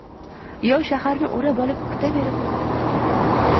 yov shaharni o'rab olib kutaveribdi kutaveribdi